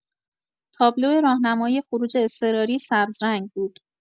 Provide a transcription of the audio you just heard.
تابلو راهنمای خروج اضطراری سبزرنگ بود.